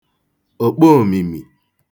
òkpo òmìmì